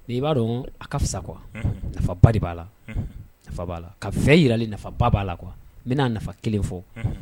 Mais i b'a dɔɔn a ka fisa quoi unhun nafa ba de b'a la unhun nafa b'a la ka fɛ yirali nafa baa b'a la quoi n ben'a nafa 1 fɔ